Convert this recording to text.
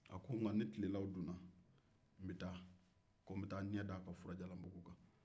ni tilelaw dunna n bɛ taa ɲɛ da a ka furajalanbugu kan